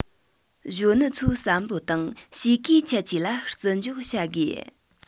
གཞོན ནུ ཚོའི བསམ བློ དང གཤིས ཀའི ཁྱད ཆོས ལ བརྩི འཇོག བྱ དགོས